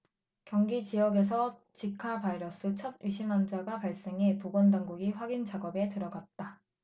경기지역에서 지카바이러스 첫 의심환자가 발생해 보건당국이 확인 작업에 들어갔다